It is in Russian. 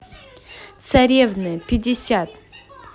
царевны пятьдесят